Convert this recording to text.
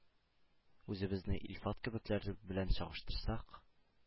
Үзебезне Илфат кебекләр белән чагыштырсак,